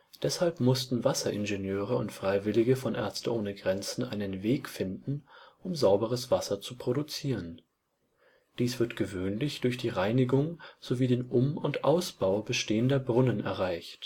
Deshalb mussten Wasseringenieure und Freiwillige von Ärzte ohne Grenzen einen Weg finden, um sauberes Wasser zu produzieren. Dies wird gewöhnlich durch die Reinigung sowie den Um - und Ausbau bestehender Brunnen erreicht